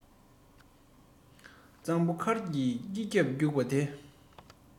གཙང པོ མཁར གྱི དཀྱིལ ཞབས རྒྱུགས པ དེ